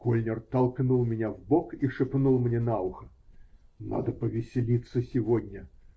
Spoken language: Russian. Кольнер толкнул меня в бок и шепнул мне на ухо: -- Надо повеселиться сегодня.